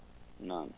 noon